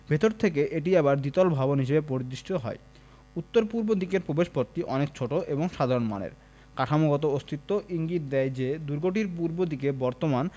ভেতর থেকে এটি আবার দ্বিতল ভবন হিসেবে পরিদৃষ্ট হয় উত্তর পূর্ব দিকের প্রবেশপথটি অনেক ছোট এবং সাধারণ মানের কাঠামোগত অস্তিত্ব ইঙ্গিত দেয় যে দুর্গটি পূর্ব দিকে বর্তমান